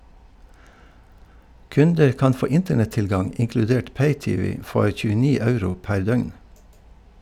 Kunder kan få internett-tilgang inkludert pay-tv for 29 euro per døgn.